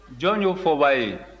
jɔn ye o fɔbaa ye